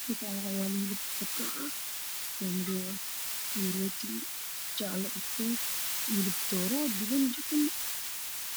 Meshaan waxaa yaalo rooti jaale iyo hilib dooro oo duban